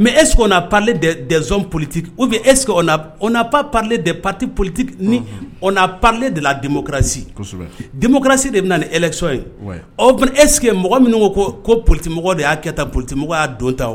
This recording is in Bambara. mɛ esɔnna pale desonon polite u bɛ es pa parile de pati polite ni pale de lasise de bɛ na eson ye o bɛ eske mɔgɔ minnu ko ko ko politemɔgɔ de y'a kɛta politemɔgɔ y' don ta